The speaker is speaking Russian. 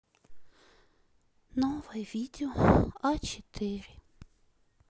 новое видео а четыре